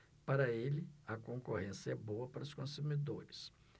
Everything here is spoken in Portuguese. para ele a concorrência é boa para os consumidores